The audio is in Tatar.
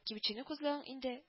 Кибетчене күзләвең инде